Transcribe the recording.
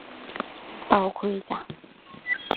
เป่าขลุ่ยจ้ะ